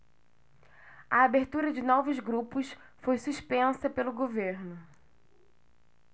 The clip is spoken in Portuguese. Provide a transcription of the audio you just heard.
a abertura de novos grupos foi suspensa pelo governo